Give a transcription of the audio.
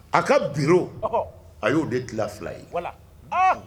A ka bi a y'o de dilan fila ye